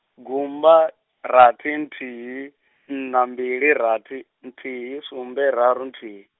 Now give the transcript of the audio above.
gumba, rathi nthihi, nṋa mbili rathi, nthihi sumbe raru nthihi.